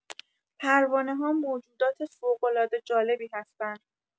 پروانه‌ها موجودات فوق‌العاده جالبی هستن!